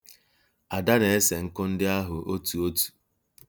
Ada na-ese nkụ ndị ahụ otu otu.